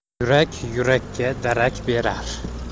yurak yurakka darak berar